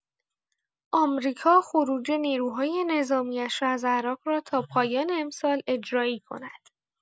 آمریکا خروج نیروهای نظامی‌اش از عراق را تا پایان امسال اجرایی کند.